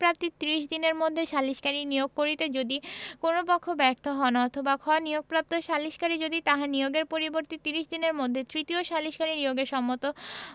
প্রাপ্তির ত্রিশ দিনের মধ্যে সালিসকারী নিয়োগ করিতে যদি কোন পক্ষ ব্যর্থ হন অথবা খ নিয়োগপ্রাপ্ত সালিসকারী যদি তাহাদের নিয়োগের পরবর্তি ত্রিশ দিনের মধ্যে তৃতীয় সালিসকারী নিয়োগে সম্মত